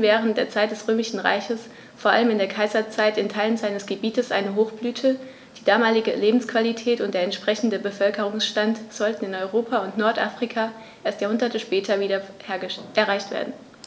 während der Zeit des Römischen Reiches, vor allem in der Kaiserzeit, in Teilen seines Gebietes eine Hochblüte, die damalige Lebensqualität und der entsprechende Bevölkerungsstand sollten in Europa und Nordafrika erst Jahrhunderte später wieder erreicht werden.